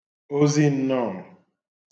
ozinnọọ̀